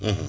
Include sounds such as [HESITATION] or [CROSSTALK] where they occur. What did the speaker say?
[HESITATION] [HESITATION]